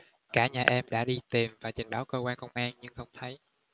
cả nhà em đã đi tìm và trình báo cơ quan công an nhưng không thấy